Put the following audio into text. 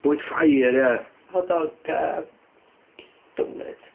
Bwyd ffair, ia... hot dog a doughnut.